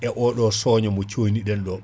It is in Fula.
e oɗo soño mo coyniɗen ɗo